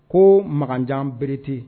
Ko mankanjan berete